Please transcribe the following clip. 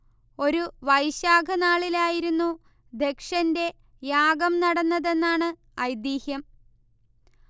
ഒരു വൈശാഖ നാളിലായിരുന്നു ദക്ഷന്റെ യാഗം നടന്നതെന്നാണ് ഐതിഹ്യം